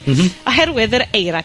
Mhm. Oherwydd yr eira.